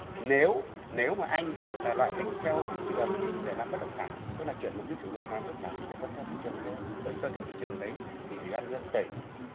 nếu nếu mà anh là loại hình theo thị trường để làm bất động sản tức là chuyển mục đích sử dụng hóa đơn giản thì phải tuân theo thị trường thôi bị tuân theo thị trường đấy thì ủy ban dân tỉnh